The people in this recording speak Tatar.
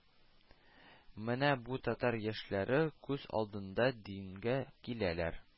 Менә бу татар яшьләре күз алдында дингә киләләр